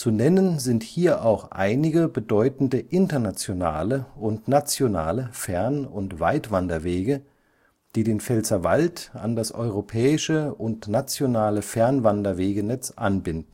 nennen sind hier auch einige bedeutende internationale und nationale Fern - und Weitwanderwege, die den Pfälzerwald an das europäische und nationale Fernwanderwegenetz anbinden